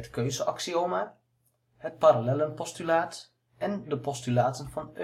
keuzeaxioma parallellenpostulaat de postulaten van